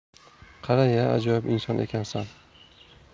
qara ya ajoyib inson ekansan